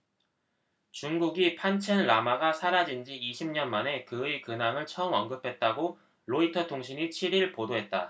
중국이 판첸 라마가 사라진 지 이십 년 만에 그의 근황을 처음 언급했다고 로이터통신이 칠 일 보도했다